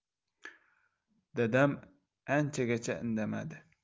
dadam anchagacha indamadi